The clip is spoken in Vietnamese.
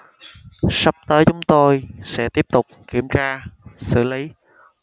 sắp tới chúng tôi sẽ tiếp tục kiểm tra xử lý